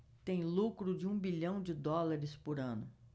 tem lucro de um bilhão de dólares por ano